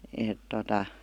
että tuota